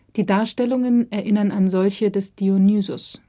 Die Darstellungen erinnern an solche des Dionysos